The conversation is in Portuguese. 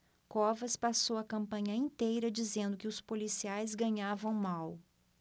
covas passou a campanha inteira dizendo que os policiais ganhavam mal